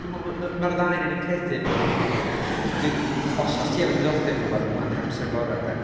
Dw i'n meddwl ma' ma' ma'r ddau ohonan ni'n credu bod -g os os ti efo diddordeb yn rwbeth, ŵan ydy'r amser gorau, de